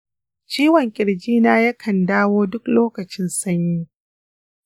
ciwon ƙirjina yakan dawo duk lokacin sanyi.